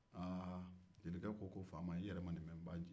jelikɛ ko faama i yɛrɛ ma nin mɛn